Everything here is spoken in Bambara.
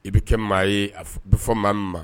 I bɛ kɛ maa ye a bɛ fɔ ma ma